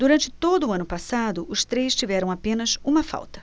durante todo o ano passado os três tiveram apenas uma falta